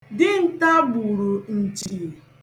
Dinta gburu nchi.